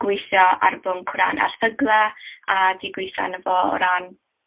gweithio ar y bwnc o ran erthygle a 'di gwitho arno fo o ran